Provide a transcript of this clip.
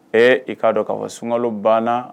Ee i k'a dɔn k'a fɔ sunkalo banna